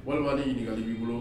Walima ni ɲiniŋali b'i bolo